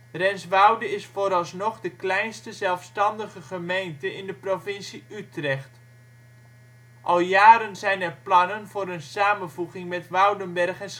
Renswoude is vooralsnog de kleinste zelfstandige gemeente in de provincie Utrecht. Al jaren zijn er plannen voor een samenvoeging met Woudenberg en